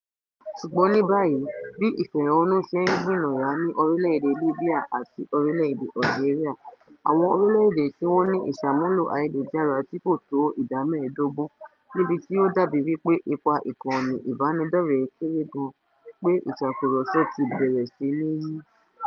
Ṣùgbọ́n ní báyìí, bí ìfẹ̀hónúhàn ṣe ń gbìnàyá ní orílẹ̀ èdè Libya àti orílẹ̀ èdè Algeria - àwọn orílẹ̀ èdè tí wọ́n ní ìsàmúlò ayélujára tí kò tó 15% níbi tí ó dàbí wípé ipa ìkànnì ìbánidọ́rẹ̀ẹ́ kéré gan - pé ìtàkurọ̀sọ̀ ti bẹ̀rẹ̀ sí ní yí.